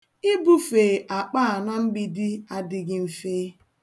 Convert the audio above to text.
Ibufe akpa a na mgbidi adịghị mfe.